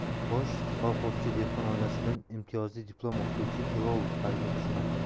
xo'sh kolxozchi dehqon oilasidan imtiyozli diplom o'qituvchi filolog harbiy xizmat